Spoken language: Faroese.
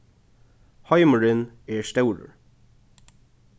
heimurin er stórur